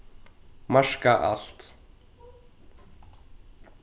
marka alt